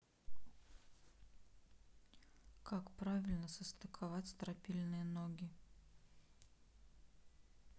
как правильно состыковать стропильные ноги